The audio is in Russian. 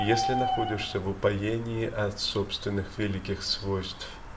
если находишься в упоения от собственных великих свойств